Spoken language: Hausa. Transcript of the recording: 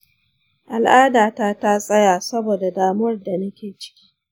al’adata ta tsaya saboda damuwar da nake ciki.